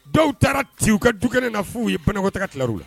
Dɔw taara ci u ka du kelen na f' u ye panɛkota ka ki tilaw la